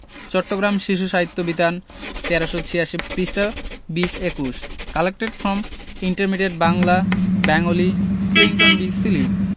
চট্টগ্রাম শিশু সাহিত্য বিতান ১৩৮৬ পৃষ্ঠা ২০ ২১ collected from intermediate Bangla Bengali Clinton B Seely